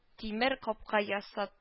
Тимер капка ясат